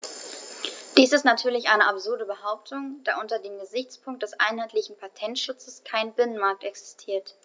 Dies ist natürlich eine absurde Behauptung, da unter dem Gesichtspunkt des einheitlichen Patentschutzes kein Binnenmarkt existiert.